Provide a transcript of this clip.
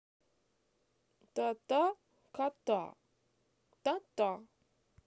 та та кота та та